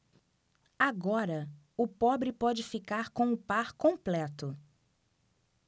agora o pobre pode ficar com o par completo